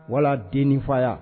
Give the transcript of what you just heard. Wala denin faya